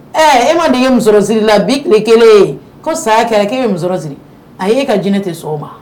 Ɛ e ma d dege musosiri la bi tile kelen ye ko saya kɛra k'e bɛ musosiri a'e ka jinɛ tɛ so ma